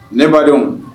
Ne ba